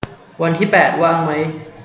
วันที่แปดว่างมั้ย